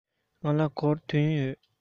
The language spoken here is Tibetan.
ང ལ སྒོར བདུན ཡོད